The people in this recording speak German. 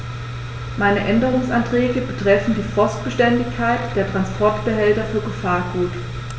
Meine Änderungsanträge betreffen die Frostbeständigkeit der Transportbehälter für Gefahrgut.